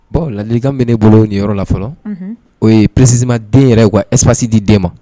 Bon lalikan bɛ ne bolo niyɔrɔ la fɔlɔ o ye presi ma den yɛrɛ ye wa espsi di den ma